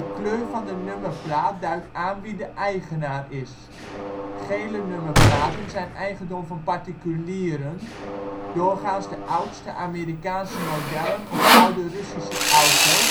kleur van de nummerplaat duidt aan wie de eigenaar is: gele nummerplaten zijn eigendom van particulieren (doorgaans de oudste Amerikaanse modellen of oude Russische auto